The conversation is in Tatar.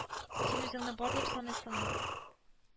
Кемдер ал арның ишеген шакыды.